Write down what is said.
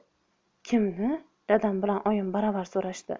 kimni dadam bilan oyim baravar so'rashdi